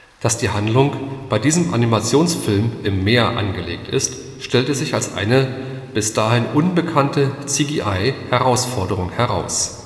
Dass die Handlung bei diesem Animationsfilm im Meer angelegt ist, stellte sich als eine bis dahin unbekannte CGI-Herausforderung heraus